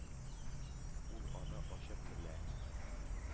Ул аны ачык белә.